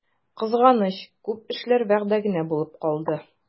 Кызганыч, күп эшләр вәгъдә генә булып калды.